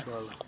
voilà